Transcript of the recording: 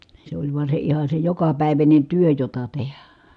se oli vaan se ihan se jokapäiväinen työ jota tehdä